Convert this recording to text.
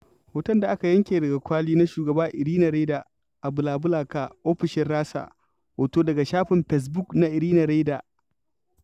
Hoton da aka yanke daga kwali na shugaba Iirina Reyder a BlaBlaCar ofishin Rasha. Hoto daga shafin Fesbuk na Irina Reyder.